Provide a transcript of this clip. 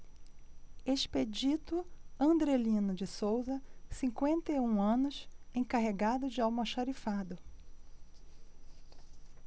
expedito andrelino de souza cinquenta e um anos encarregado de almoxarifado